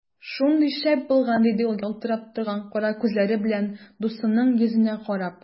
Шундый шәп булган! - диде ул ялтырап торган кара күзләре белән дусының йөзенә карап.